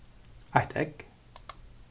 eitt egg